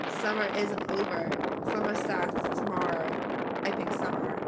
"Summer isn't over. Summer starts tomorrow. I pick Summer."